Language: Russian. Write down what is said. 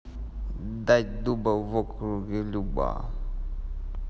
дать дуба в округе люба